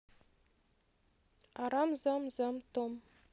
арам зам зам том